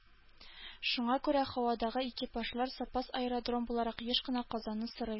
Шуңа күрә һавадагы экипажлар запас аэродром буларак еш кына Казанны сорый